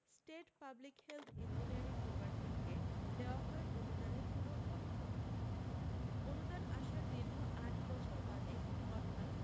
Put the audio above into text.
state public health engineering ডিপার্টমেন্টকে দেওয়া হয় অনুদানের পুরো অর্থ অনুদান আসার দীর্ঘ আট বছর বাদে অর্থাৎ